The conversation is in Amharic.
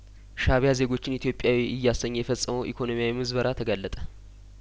ሻእቢያ ዜጐችን ኢትዮጵያዊ እያሰኘ የፈጸመው ኢኮኖሚያዊ ምዝበራ ተጋለጠ